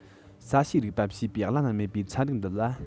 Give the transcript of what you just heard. ས གཤིས རིག པ ཞེས པའི བླ ན མེད པའི ཚན རིག འདི ལ